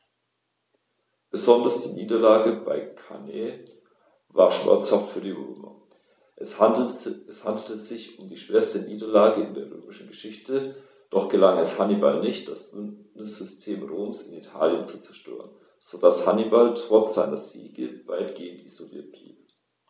Besonders die Niederlage bei Cannae war schmerzhaft für die Römer: Es handelte sich um die schwerste Niederlage in der römischen Geschichte, doch gelang es Hannibal nicht, das Bündnissystem Roms in Italien zu zerstören, sodass Hannibal trotz seiner Siege weitgehend isoliert blieb.